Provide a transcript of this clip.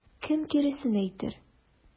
Кем киресен әйтер?